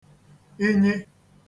inyi